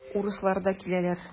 Урыслар да киләләр.